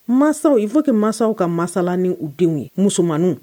Masaw i fo ka mansaw ka masala ni u denw ye musoman